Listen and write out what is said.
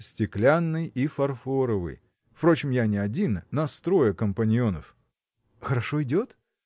– Стеклянный и фарфоровый; впрочем, я не один: нас трое компанионов. – Хорошо идет?